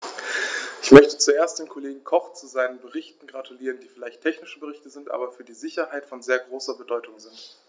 Ich möchte zuerst dem Kollegen Koch zu seinen Berichten gratulieren, die vielleicht technische Berichte sind, aber für die Sicherheit von sehr großer Bedeutung sind.